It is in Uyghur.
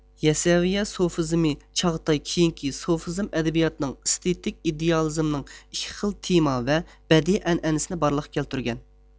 يەسەۋىيە سوفىزمى چاغاتاي كېيىنكى سوفىزم ئەدەبىياتىنىڭ ئېستېتىك ئىدېئالىزمنىڭ ئىككى خىل تېما ۋە بەدىئىي ئەنئەنىسىنى بارلىققا كەلتۈرگەن